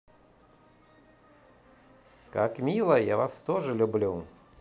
как мило я вас тоже люблю